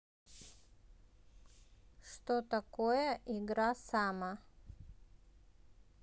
что такое игра сама